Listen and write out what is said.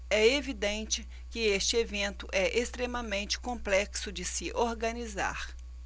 é evidente que este evento é extremamente complexo de se organizar